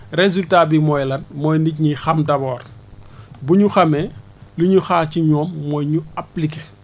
résultat bi mooy lan mooy nit ñi xam d' abord bu ñu xamee lu ñu xaar ci ñoom mooy ñu appliquer